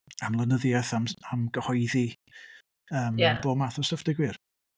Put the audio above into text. Am lenyddiaeth, am s- gyhoeddi yym... ia. ...bob math o stwff deud gwir.